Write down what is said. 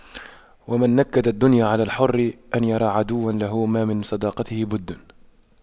ومن نكد الدنيا على الحر أن يرى عدوا له ما من صداقته بد